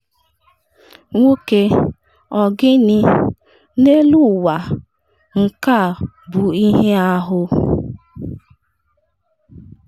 Nwoke: “Ọ gịnị n’elu ụwa nke a bụ ihe ahụ?”